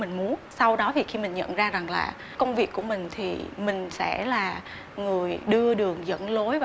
mình muốn sau đó thì khi mình nhận ra rằng lạ công việc của mình thì mình sẽ là người đưa đường dẫn lối và